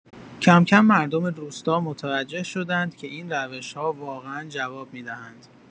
کم‌کم مردم روستا متوجه شدند که این روش‌ها واقعا جواب می‌دهند.